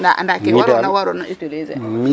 Nda anda ke waroona war o utiliser?